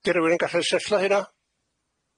Di- di rywun yn gallu setlo hynna?